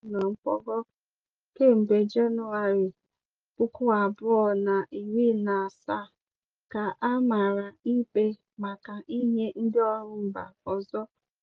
Touati, onye nọ na mkpọrọ kemgbe Jenụwarị 2017, ka a mara ikpe maka inye "ndịọrụ mba ọzọ